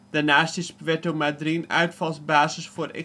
Daarnaast is Puerto Madryn uitvalsbasis voor